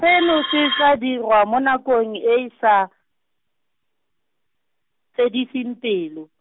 seno se tla dirwa mo nakong e sa, fediseng pelo.